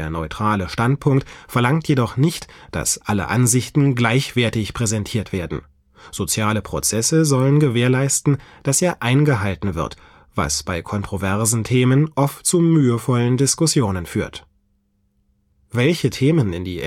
neutrale Standpunkt verlangt jedoch nicht, dass alle Ansichten gleichwertig präsentiert werden. Soziale Prozesse sollen gewährleisten, dass er eingehalten wird, was bei kontroversen Themen oft zu mühevollen Diskussionen führt. Welche Themen in die